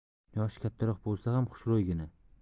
yoshi kattaroq bo'lsa ham xushro'ygina